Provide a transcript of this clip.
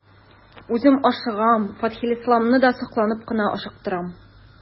Үзем ашыгам, Фәтхелисламны да сакланып кына ашыктырам.